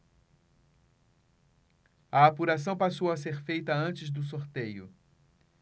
a apuração passou a ser feita antes do sorteio